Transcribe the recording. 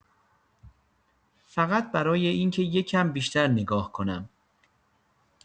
فقط برای اینکه یکم بیشتر نگاه کنم.